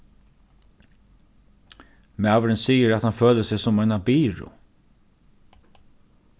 maðurin sigur at hann følir seg sum eina byrðu